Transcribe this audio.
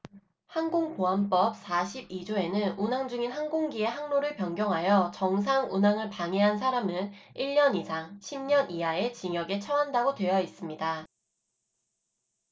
항공보안법 사십 이 조에는 운항중인 항공기의 항로를 변경하여 정상 운항을 방해한 사람은 일 년 이상 십 년 이하의 징역에 처한다고 되어 있습니다